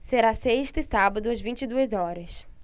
será sexta e sábado às vinte e duas horas